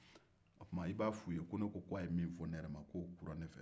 o tuma e b'a f'u ye ko ne k'o a ye min fɔ ne yɛrɛ ma k'o kura ne yɛrɛ fɛ